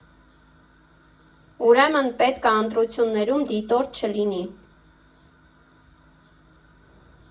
Ուրեմն, պետք ա ընտրություններում դիտորդ չլինի։